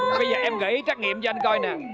bây giờ em gọi ý trắc nghiệm cho em coi nè